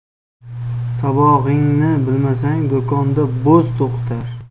sabog'ingni bilmasang do'konda bo'z to'qitar